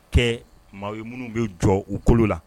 Kɛ maa minnu bɛ jɔ u kolo la